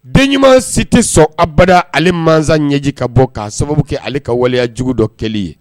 Den ɲuman si tɛ sɔn abada ale mansa ɲɛji ka bɔ k'a sababu kɛ ale ka waleya jugu dɔ kɛ ye